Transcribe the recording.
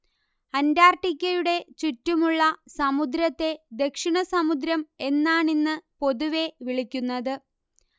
അന്റാർട്ടിക്കയുടെ ചുറ്റുമുള്ള സമുദ്രത്തെ ദക്ഷിണസമുദ്രം എന്നാണിന്ന് പൊതുവേ വിളിക്കുന്നത്